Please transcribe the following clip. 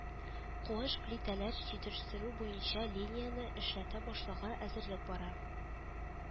Куыш плитәләр җитештерү буенча линияне эшләтә башлауга әзерлек бара